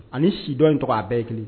A sidɔn in tɔgɔ a bɛɛ ye kelen